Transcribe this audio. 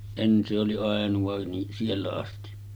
en se oli ainoa niin siellä asti